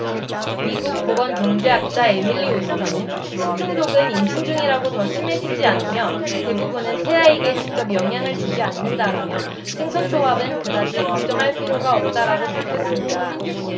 미국 보건경제학자 에밀리 오스터는 식중독은 임신 중이라고 더 심해지지 않으며 대부분은 태아에게 직접 영향을 주지 않는다라며 생선초밥은 그다지 걱정할 필요가 없다라고 밝혔습니다